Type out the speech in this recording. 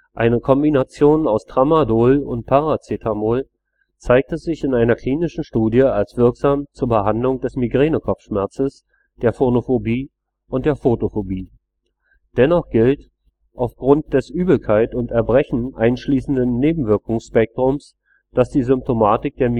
Eine Kombination aus Tramadol und Paracetamol zeigte sich in einer klinischen Studie als wirksam zur Behandlung des Migränekopfschmerzes, der Phonophobie und der Photophobie. Dennoch gilt, auf Grund des Übelkeit und Erbrechen einschließenden Nebenwirkungsspektrums, das die Symptomatik der